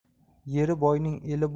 yeri boyning eli